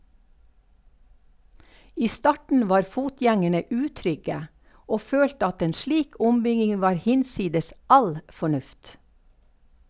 I starten var fotgjengerne utrygge og følte at en slik ombygging var hinsides all fornuft.